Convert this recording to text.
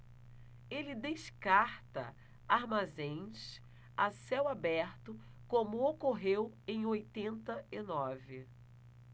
ele descarta armazéns a céu aberto como ocorreu em oitenta e nove